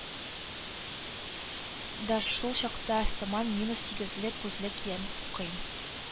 Да шул чакта сыман минус сигезле күзлек киям, укыйм,